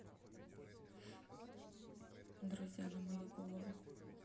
друзья на свою голову